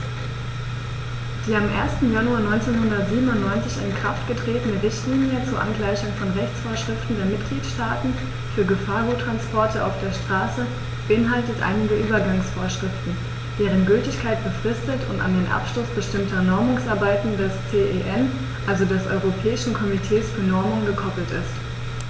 Die am 1. Januar 1997 in Kraft getretene Richtlinie zur Angleichung von Rechtsvorschriften der Mitgliedstaaten für Gefahrguttransporte auf der Straße beinhaltet einige Übergangsvorschriften, deren Gültigkeit befristet und an den Abschluss bestimmter Normungsarbeiten des CEN, also des Europäischen Komitees für Normung, gekoppelt ist.